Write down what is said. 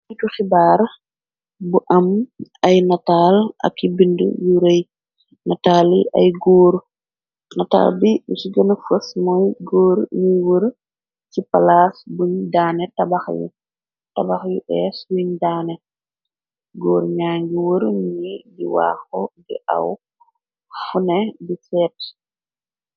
Iitu xibaar bu am ay nataal ak yi bind yu rëy nataali ay góor nataal bi lusi gëna fos mooy góor ñuy wër ci palaas buñ daane tabax yu s yuñ daane góor ñaangi wërë ni di waaxo di aw xune bi feep.